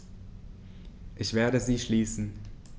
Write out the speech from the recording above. Ich werde sie schließen.